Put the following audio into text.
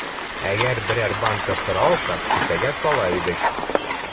Әгәр берәр банка сыра алсак, кесәгә сала идек.